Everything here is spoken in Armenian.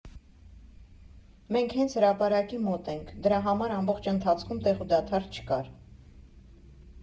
Մենք հենց հրապարակի մոտ ենք, դրա համար ամբողջ ընթացքում տեղ ու դադար չկար։